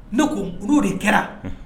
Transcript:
Ne ko olu de kɛra